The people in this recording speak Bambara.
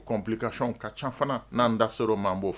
O co kacɔn ka ca fana n'an da sɔrɔ'an b'o fɛ